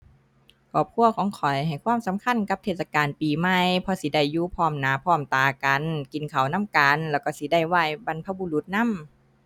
ครอบครัวของข้อยให้ความสำคัญกับเทศกาลปีใหม่ เพราะสิได้อยู่พร้อมหน้าพร้อมตากัน กินข้าวนำกัน แล้วก็สิได้ไหว้บรรพบุรุษนำ